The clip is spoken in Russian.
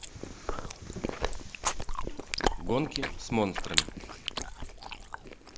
гонки с монстрами